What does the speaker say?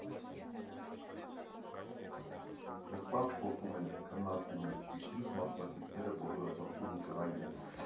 Նստած խոսում ենք, քննարկում ենք, իսկ մյուս մասնակիցները բոլորը տխուր ու ջղայն են։